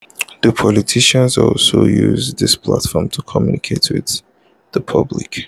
Do politicians also use those platforms to communicate with the public?